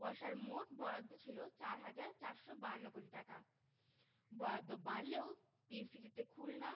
ওয়াসার মোট বরাদ্দ ছিল ৪ হাজার ৪৫২ কোটি টাকা বরাদ্দ বাড়লেও তিন সিটিতে খুলনা